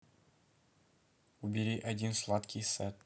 убери один сладкий сет